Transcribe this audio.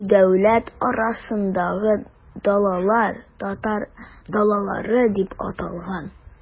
Бу дәүләт арасындагы далалар, татар далалары дип аталган.